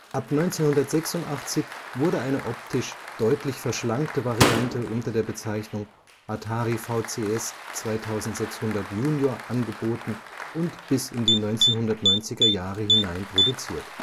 Ab 1986 wurde eine optisch deutlich verschlankte Variante unter der Bezeichnung Atari VCS 2600 junior angeboten und bis in die 1990er Jahre hinein produziert